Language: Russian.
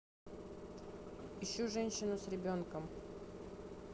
ищу женщину с ребенком